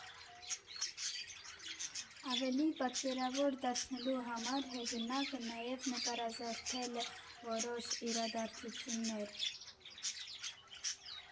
Ավելի պատկերավոր դարձնելու համար, հեղինակը նաև նկարազարդել է որոշ իրադարձություններ։